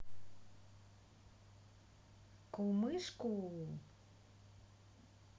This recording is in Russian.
кумышку